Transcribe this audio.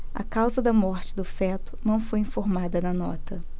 a causa da morte do feto não foi informada na nota